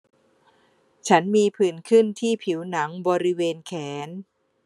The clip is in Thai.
ฉันมีผื่นขึ้นที่ผิวหนังบริเวณแขน